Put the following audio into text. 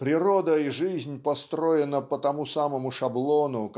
"Природа и жизнь построена по тому самому шаблону